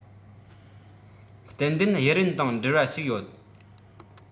ཏན ཏན དབྱི རན དང འབྲེལ བ ཞིག ཡོད